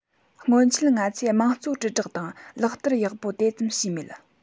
སྔོན ཆད ང ཚོས དམངས གཙོ དྲིལ བསྒྲགས དང ལག བསྟར ཡག པོ དེ ཙམ བྱས མེད